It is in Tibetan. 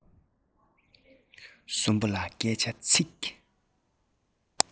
གསུམ པོ ལ སྐད ཆ ཚིག